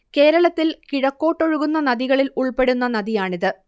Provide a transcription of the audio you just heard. കേരളത്തിൽ കിഴക്കോട്ടൊഴുകുന്ന നദികളിൽ ഉൾപ്പെടുന്ന നദിയാണിത്